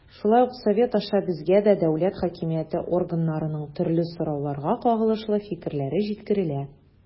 Шулай ук Совет аша безгә дә дәүләт хакимияте органнарының төрле сорауларга кагылышлы фикерләре җиткерелә.